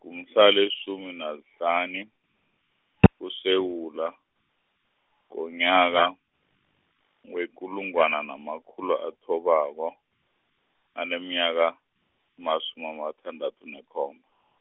mhlalesumi nahlani, kuSewula, ngonyaka, wekulungwana namakhulu athobako, aneminyaka, masumi amathandathu nakhomba.